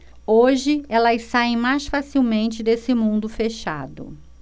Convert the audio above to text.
hoje elas saem mais facilmente desse mundo fechado